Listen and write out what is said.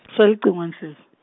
ngiselucingweni .